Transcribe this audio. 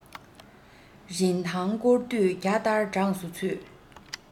རིན ཐང སྐོར དུས བརྒྱ སྟར གྲངས སུ ཚུད